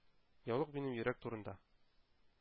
Яулык минем йөрәк турында,